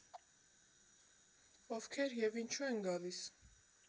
Ովքեր և ինչու են գալիս։